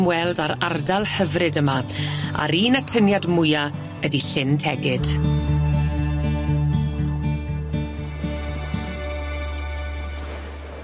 ymweld â'r ardal hyfryd yma a'r un atyniad mwya ydi Llyn Tegid.